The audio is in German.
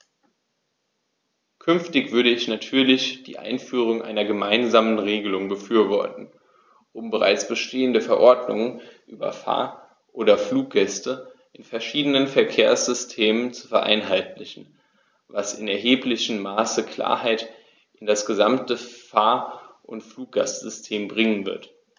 Künftig würde ich natürlich die Einführung einer gemeinsamen Regelung befürworten, um bereits bestehende Verordnungen über Fahr- oder Fluggäste in verschiedenen Verkehrssystemen zu vereinheitlichen, was in erheblichem Maße Klarheit in das gesamte Fahr- oder Fluggastsystem bringen wird.